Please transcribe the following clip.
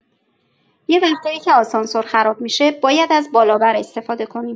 یه وقتایی که آسانسور خراب می‌شه، باید از بالابر استفاده کنیم.